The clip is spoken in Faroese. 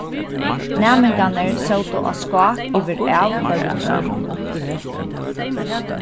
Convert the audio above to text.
næmingarnir sótu á skák yvir av hvørjum øðrum